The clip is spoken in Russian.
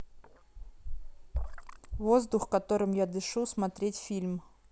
воздух которым я дышу смотреть фильм